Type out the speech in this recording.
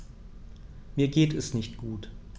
Mir geht es nicht gut.